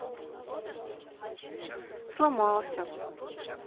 сломался